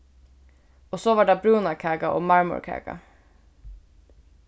og so var tað brúnakaka og marmorkaka